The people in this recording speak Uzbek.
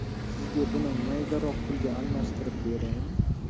sizga buni maydaroq pulga almashtirib beraymi